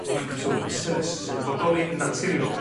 lacto besilus sydd yn bodoli yn naturiol